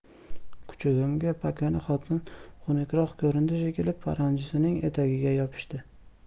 kuchugimga pakana xotin xunukroq ko'rindi shekilli paranjisining etagiga yopishdi